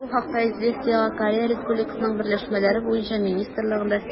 Бу хакта «Известия»гә Корея Республикасының берләшмәләр буенча министрлыгында сөйләделәр.